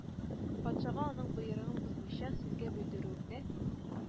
Патшага аның боерыгын бозмыйча сезгә белдерүемне